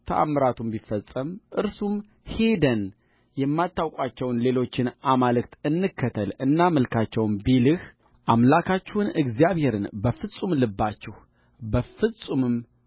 ተአምራቱም ቢፈጸም እርሱም ሄደን የማታውቃቸውን ሌሎች አማልክት እንከተል እናምልካቸውም ቢልህ አምላካችሁን እግዚአብሔርን በፍጹም ልባችሁ በፍጹምም